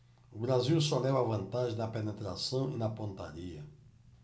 o brasil só leva vantagem na penetração e na pontaria